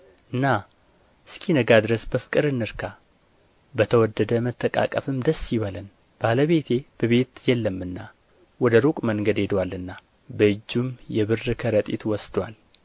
ና እስኪነጋ ድረስ በፍቅር እንርካ በተወደደ መተቃቀፍም ደስ ይበለን ባለቤቴ በቤቱ የለምና ወደ ሩቅ መንገድ ሄዶአልና በእጁም የብር ከረጢት ወስዶአል